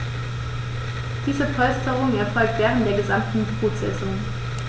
Diese Polsterung erfolgt während der gesamten Brutsaison.